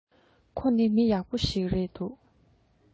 ཁོ ནི མི ཡག པོ ཞིག རེད འདུག